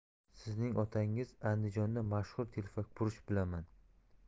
sizning otangiz andijonda mashhur telpakfurush bilaman